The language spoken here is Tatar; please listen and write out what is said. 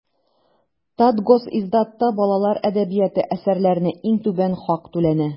Татгосиздатта балалар әдәбияты әсәрләренә иң түбән хак түләнә.